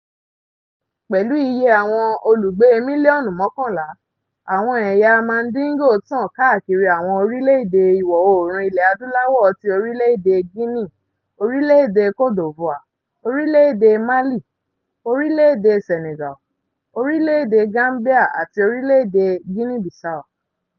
Pẹ̀lú ìyè àwọn olùgbé 11 mílíọ̀nù, àwọn ẹ̀yà Mandingo tàn káàkiri àwọn orílẹ́ èdè Ìwọ̀ Oòrùn Ilẹ̀ Adúláwò ti orílẹ̀ èdè Guinea, orílẹ̀ èdè Cote d'Ivoire, orílẹ̀ èdè Mali, orílẹ̀ èdè Senegal, orílẹ̀ èdè Gambia àti orílẹ́ èdè Guinea Bissau.